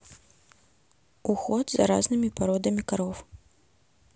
уход за разными породами коров